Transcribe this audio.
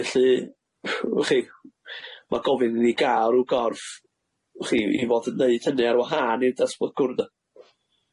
Felly wch chi ma' gofyn i ni ga'l rw gorff wch chi i fod yn neud hynny ar wahân i'r datblygwr de?